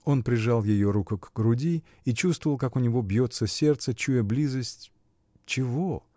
Он прижал ее руку к груди и чувствовал, как у него бьется сердце, чуя близость. чего?